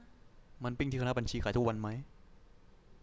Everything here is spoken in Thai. มันปิ้งที่คณะบัญชีขายทุกวันไหม